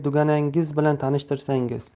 duganangiz bilan tanishtirsangiz